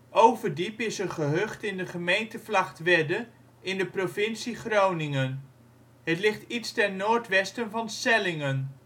Overdiep is een gehucht in de gemeente Vlagtwedde in de provincie Groningen. Het ligt iets ten noordwesten van Sellingen